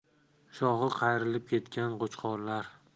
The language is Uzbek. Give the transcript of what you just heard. shoxi qayrilib ketgan qo'chqorlar